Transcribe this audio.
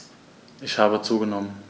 Ich habe zugenommen.